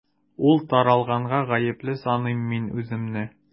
Ул таралганга гаепле саныймын мин үземне.